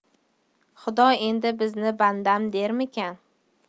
xudo endi bizni bandam dermikin